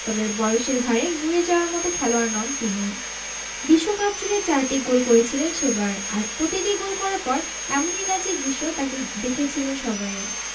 তবে বয়সের ভাঁড়ে নুয়ে যাওয়ার মতো খেলোয়াড় নন তিনি বিশ্বকাপজুড়ে চারটি গোল করেছিলেন সেবার আর প্রতিটি গোল করার পর এমনই নাচের দৃশ্যে তাঁকে দেখেছিলেন সবাই